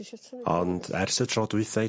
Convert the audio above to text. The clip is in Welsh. Ond ers y tro dwytha i...